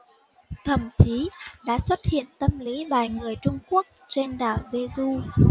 thậm chí đã xuất hiện tâm lý bài người trung quốc trên đảo jeju